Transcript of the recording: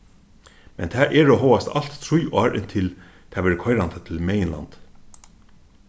men tað eru hóast alt trý ár inntil tað verður koyrandi til meginlandið